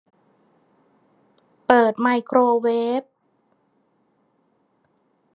เปิดไมโครเวฟ